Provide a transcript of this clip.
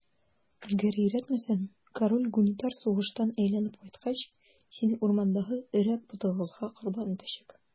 Әгәр өйрәтмәсәң, король Гунитар сугыштан әйләнеп кайткач, сине урмандагы Өрәк потыгызга корбан итәчәк.